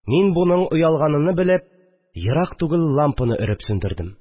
Мин, моның оялганыны белеп, ерак түгел лампыны өреп сүндердем